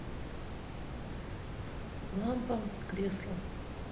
лампа кресло